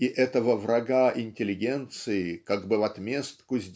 и этого врага интеллигенции как бы в отместку